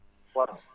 sonal